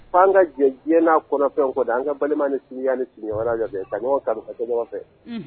An ka jɛ diɲɛ' kɔnɔfɛn kɔ an ka balima ni sigiya ni sigi fɛ ka ɲɔgɔn ka ɲɔgɔn fɛ